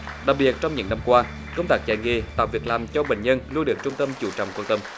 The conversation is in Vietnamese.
đặc biệt trong những năm qua công tác dạy nghề tạo việc làm cho bệnh nhân luôn được trung tâm chú trọng quan tâm